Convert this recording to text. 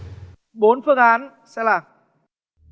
bốn phương án sẽ là